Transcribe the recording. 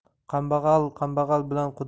kambag'al kambag'al bilan quda